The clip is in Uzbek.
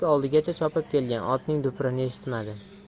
oldigacha chopib kelgan otning dupurini eshitmadi